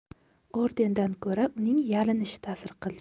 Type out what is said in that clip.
ordendan ko'ra uning yalinishi tasir qildi